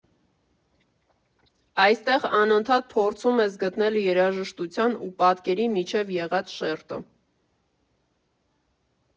Այստեղ անընդհատ փորձում ես գտնել երաժշտության ու պատկերի միջև եղած շերտը։